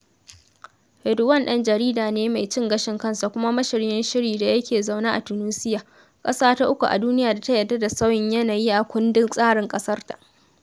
Radhouane ɗan jarida ne mai cin gashin kansa kuma mashiryin shiri da yake zaune a Tunisia, ƙasa ta uku a duniya da ta yarda da sauyin yanayi a kundin tsarin ƙasarta.